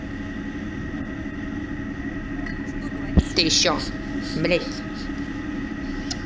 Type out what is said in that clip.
а что говорить то еще блядь